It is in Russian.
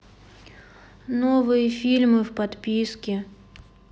новые фильмы в подписке